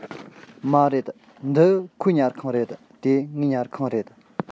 མ རེད འདི ཁོའི ཉལ ཁང རེད དེ ངའི ཉལ ཁང རེད